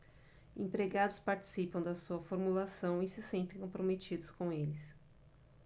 empregados participam da sua formulação e se sentem comprometidos com eles